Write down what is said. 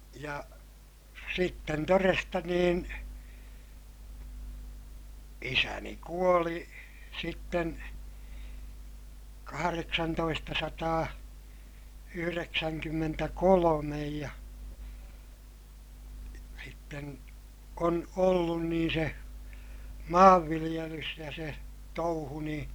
ja sitten todesta niin isäni kuoli sitten kahdeksantoistasataa yhdeksänkymmentäkolme ja sitten on ollut niin se maanviljelys ja se touhu niin